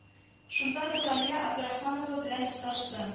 Шунда нурания абдрахманова белән дуслаштым